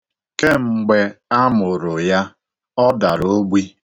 Kemgbe a mụrụ ya, ọ dara ogbi